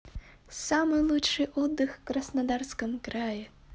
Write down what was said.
самый лучший отдых в краснодарском крае